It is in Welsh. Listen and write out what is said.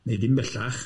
'Nei di'm bellach.